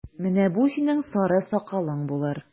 Менә бу синең сары сакалың булыр!